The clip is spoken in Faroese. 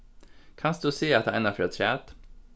kanst tú siga hatta einaferð afturat